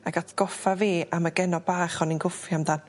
ac atgoffa fi am y genod bach o'n i'n gwffio amdan.